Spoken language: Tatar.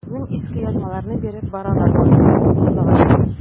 Безнең иске язмаларны биреп баралар ансы, Аллага шөкер.